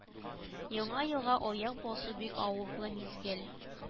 Яңа елга аяк басу бик аупплы мизгел